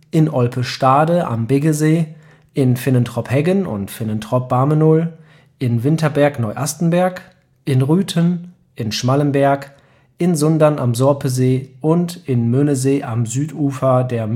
in Olpe-Stade am Biggesee, in Finnentrop-Heggen und Finnentrop-Bamenohl (privat), in Winterberg-Neuastenberg, in Rüthen, in Schmallenberg, in Sundern am Sorpesee und in Möhnesee am Südufer